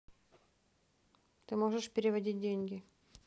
ты можешь переводить деньги